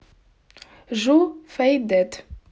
жу фейдед